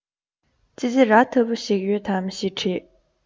ཙི ཙི ར ལྟ བུ ཞིག ཡོད དམ ཞེས དྲིས